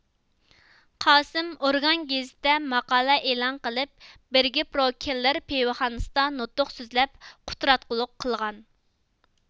قاسىم ئورگان گېزىتىدە ماقالە ئېلان قىلىپ بېرگېبروكېللېر پىۋىخانسىدا نۇتۇق سۆزلەپ قۇتراتقۇلۇق قىلغان